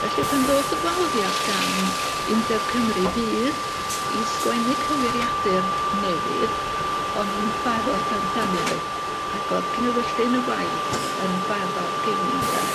Felly pan ddoth y gwahoddiad gan Undeb Cymru Fydd i sgwennu cywiriadur newydd o'n i'n barod amdanyn nw ac o'dd cnewyllyn y waith yn barod gin i nde?